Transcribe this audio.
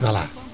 wala